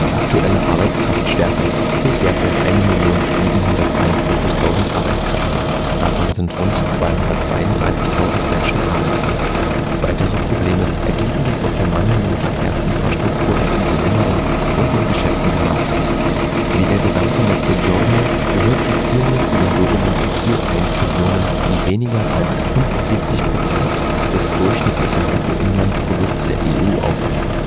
aktuelle Arbeitskraftstärke zählt derzeit 1.743.000 Arbeitskräfte, davon sind rund 232.000 Menschen arbeitslos. Weitere Probleme ergeben sich aus der mangelnden Verkehrsinfrastruktur im Inselinneren und den Geschäften der Mafia. Wie der gesamte Mezzogiorno gehört Sizilien zu den so genannten Ziel-1-Regionen, die weniger als 75 % des durchschnittlichen BIPs der EU aufweisen